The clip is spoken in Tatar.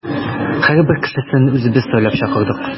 Һәрбер кешесен үзебез сайлап чакырдык.